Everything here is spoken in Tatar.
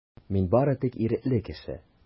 Мин бары тик ирекле кеше.